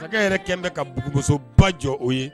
Fakɛ yɛrɛ kɛlen bɛ ka bugusoba jɔ o ye.